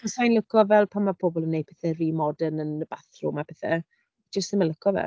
Sa i'n lico fel pan ma' pobl yn wneud pethe rhy modern yn y bathroom a pethe. Jyst ddim yn lico fe.